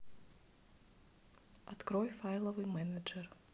открой файловый менеджер